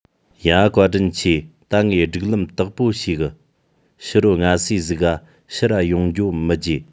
ཡ བཀའ དྲིན ཆེ ད ངས སྒྲིག ལམ དག པོ ཤེས གི ཕྱི རོ སྔ སེ ཟིག གི ཕྱིར ར ཡོང རྒྱུའོ མི བརྗེད